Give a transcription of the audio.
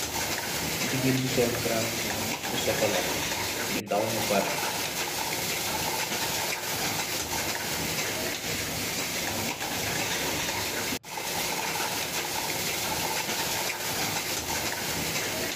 Jigain ju sol garambubu, bu sokolaa, nyu dawmeh baat bi.